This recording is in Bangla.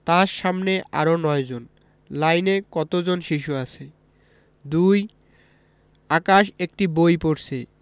তার সামনে আরও ৯ জন লাইনে কত জন শিশু আছে ২ আকাশ একটি বই পড়ছে